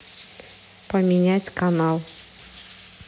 поменять канал